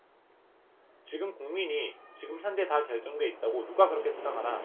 지금 국민이 지금 현재 다 결정돼 있다고 누가 그렇게 생각하나